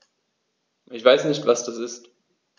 Ich weiß nicht, was das ist.